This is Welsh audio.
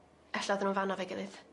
Ella odden nw fan 'na 'fo'i gilydd.